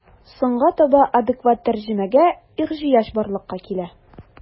Соңга таба адекват тәрҗемәгә ихҗыяҗ барлыкка килә.